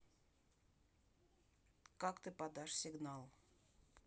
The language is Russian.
как ты подашь сигнал